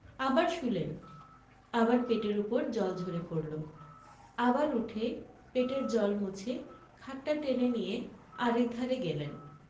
আবার শুলেন আবার পেটের উপর জল ঝরে পড়ল আবার উঠে পেটের জল মুছে খাটটা টেনে নিয়ে আর একধারে গেলেন